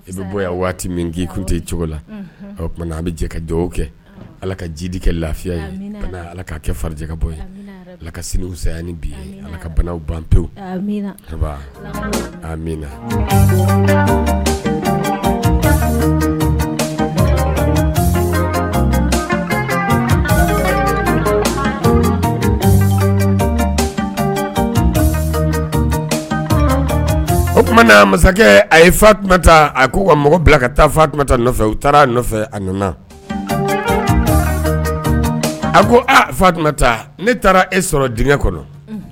I bɛ bɔ yan waati min k'i kun cogo la o tumaumana an bɛ jɛ ka ja kɛ ala ka jidi kɛ lafiya ye ka ala ka kɛ fajɛka bɔ ye ala ka sinisaya bi ala ka banaw ban pewu o tumaumana masakɛ a ye fa tun a ko nka mɔgɔ bila ka taa fa tunta nɔfɛ u taara nɔfɛ a nana a ko fa tun taa ne taara e sɔrɔ d kɔnɔ